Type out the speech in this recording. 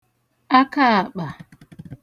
akaàkpà